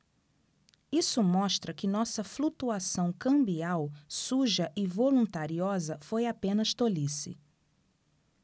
isso mostra que nossa flutuação cambial suja e voluntariosa foi apenas tolice